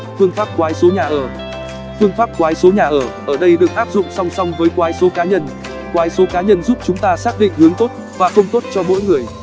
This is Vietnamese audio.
phương pháp quái số nhà ở phương pháp quái số nhà ở ở đây được áp dụng song song với quái số cá nhân quái số cá nhân giúp chúng ta xác định hướng tốt và không tốt cho mỗi người